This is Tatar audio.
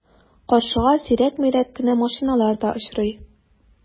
Каршыга сирәк-мирәк кенә машиналар да очрый.